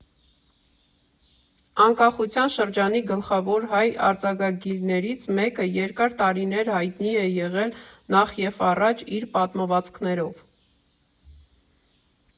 Անկախության շրջանի գլխավոր հայ արձակագիրներից մեկը երկար տարիներ հայտնի եղել նախևառաջ իր պատմվածքներով։